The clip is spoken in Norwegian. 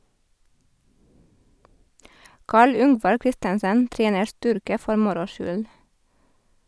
Carl Yngvar Christensen trener styrke for moro skyld.